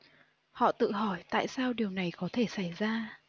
họ tự hỏi tại sao điều này lại có thể xảy ra